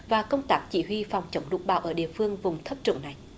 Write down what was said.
và công tác chỉ huy phòng chống lụt bão ở địa phương vùng thấp trũng này